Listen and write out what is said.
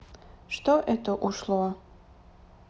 что это ушло